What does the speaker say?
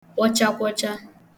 kwọchakwọcha